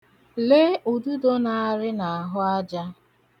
Lee ududo na-arị n'ahụ aja.